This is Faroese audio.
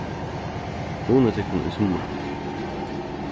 hugnið tykkum í summar